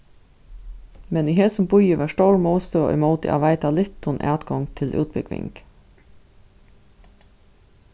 men í hesum býi var stór mótstøða ímóti at veita littum atgongd til útbúgving